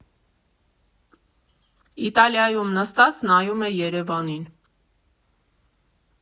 Իտալիայում նստած՝ նայում է Երևանին։